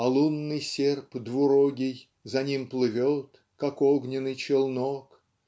а лунный серп двурогий За ним плывет, как огненный челнок.